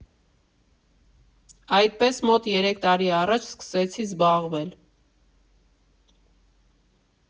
Այդպես մոտ երեք տարի առաջ սկսեցի զբաղվել։